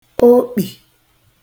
okpì